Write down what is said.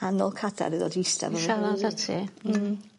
a nôl cadar i ddod i ista... I siarad 'dy ti. Hmm.